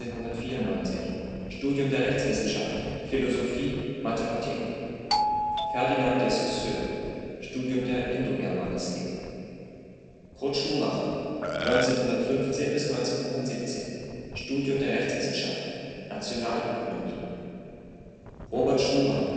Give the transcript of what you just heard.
1794, Studium der Rechtswissenschaft, Philosophie, Mathematik Ferdinand de Saussure, Studium der Indogermanistik Kurt Schumacher, 1915 – 1917, Studium der Rechtswissenschaft, Nationalökonomie Robert Schumann